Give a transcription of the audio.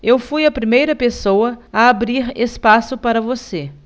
eu fui a primeira pessoa a abrir espaço para você